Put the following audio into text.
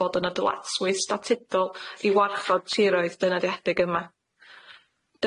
fod yn adlatswydd statudol i warchod tiroedd defnyddiedig yma.